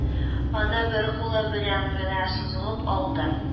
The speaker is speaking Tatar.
Аны бер кулы белән генә сузылып алды